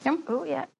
Iawn? Ww ie.